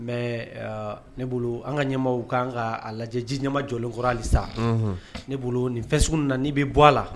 N ne bolo an ka ɲɛmaw ka'an ka lajɛ ji ɲɛma jɔlenkura sa ne bolo nin fɛs sugu na n bɛ bɔ a la